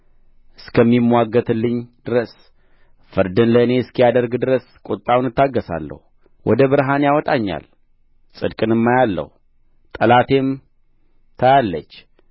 እስኪምዋገትልኝ ድረስ ፍርድን ለእኔ እስኪያደርግ ድረስ ቍጣውን እታገሣለሁ ወደ ብርሃን ያወጣኛል ጽድቅንም አያለሁ ጠላቴም ታያለች